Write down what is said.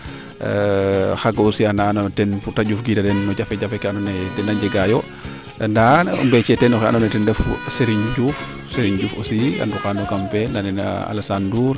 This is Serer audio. o xaaaga aussi a ne a noyo teen pour de njuf tida den no jafe jefe ke ando naye dena njega yo ndaa mbeece teen oxe ando naye ten refu Serigne Diouf Serigne Diouf aussi oxey kam fee nan nena Alassane Diouf a ŋukaanoyo kam fee